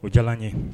O diyara n ye